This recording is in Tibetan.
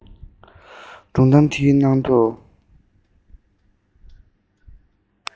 སྒྲུང གཏམ འདིའི ནང དུ